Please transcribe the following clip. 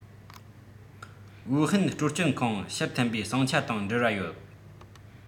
ཝུའུ ཧན སྤྲོ སྐྱིད ཁང ཕྱིར འཐེན པའི ཟིང ཆ དང འབྲེལ བ ཡོད